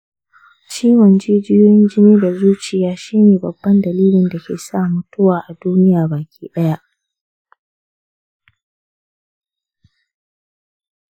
ciwon jijiyoyin jini da zuciya shi ne babban dalilin dake sa mutuwa a duniya baki ɗaya.